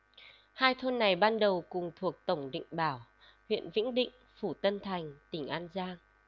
hai thôn này ban đầu cùng thuộc tổng định bảo huyện vĩnh định phủ tân thành tỉnh an giang